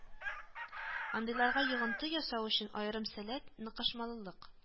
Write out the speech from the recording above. Андыйларга йогынты ясау өчен аерым сәләт, ныкышмалылык